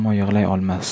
ammo yig'lay olmas